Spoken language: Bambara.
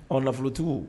Ɔ nafolotigiw